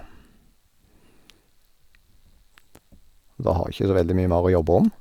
Og da har jeg ikke så veldig mye mer å jobba om.